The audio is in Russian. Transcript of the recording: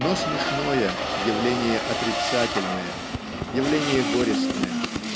но смешное явление отрицательное, явление горестное.